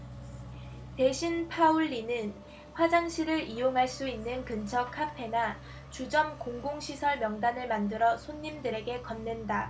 대신 파울리는 화장실을 이용할 수 있는 근처 카페나 주점 공공시설 명단을 만들어 손님들에게 건넨다